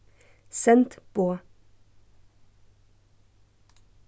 send boð